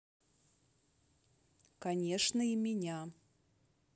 конечно и меня